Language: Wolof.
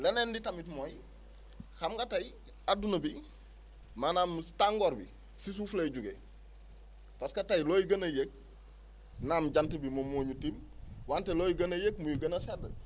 leneen li tamit mooy xam nga tey adduna bi maanaam si tàngoor bi si suuf lay jugee parce que tey looy gën a yéeg naam jant bi moo ñu tiim wante looy gën a yéeg muy gën a sedd